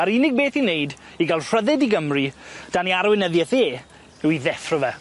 A'r unig beth i neud i ga'l rhyddid i Gymru dan 'i arwenyddieth e, yw i ddeffro fe.